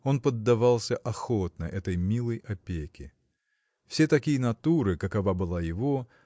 Он поддавался охотно этой милой опеке. Все такие натуры какова была его